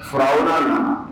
Fara'